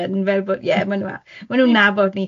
yn fel bod, ie maen nhw a-, maen nhw'n nabod ni.